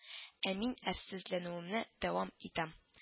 Ә мин әрсезләнүемне дәвам итам: